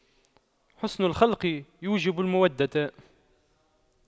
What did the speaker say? حُسْنُ الخلق يوجب المودة